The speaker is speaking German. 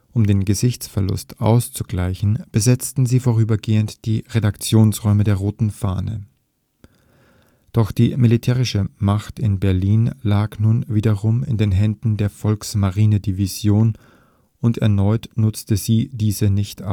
Um den Gesichtsverlust auszugleichen, besetzten sie vorübergehend die Redaktionsräume der Roten Fahne. Doch die militärische Macht in Berlin lag nun wiederum in den Händen der Volksmarinedivision, und erneut nutzte sie diese nicht aus